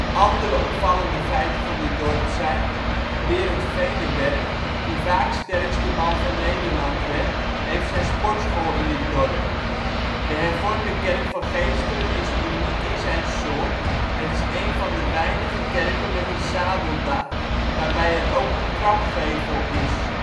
Andere opvallende feiten van dit dorp zijn: Berend Veneberg, die vaak sterkste man van Nederland werd, heeft zijn sportschool in dit dorp. De hervormde kerk van Geesteren is uniek in zijn soort, het is een van de weinige kerken met een zadeldak, waarbij er ook een trapgevel is